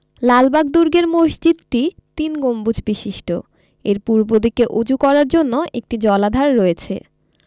লালবাগ দুর্গের মসজিদটি তিন গম্বুজ বিশিষ্ট এর পূর্বদিকে ওজু করার জন্য একটি জলাধার রয়েছে